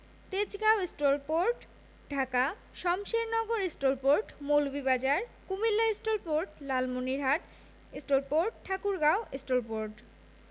Tejgaon STOL port Dhaka Shamshernagar STOL port Moulvibazar Comilla STOL port Lalmonirhat STOL port Thakurgaon STOL port